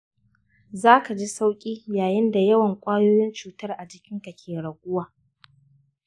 za ka ji sauƙi yayin da yawan kwayoyin cutar a jikinka ke raguwa.